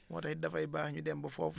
moo tax it dafay baax ñu dem ba foofu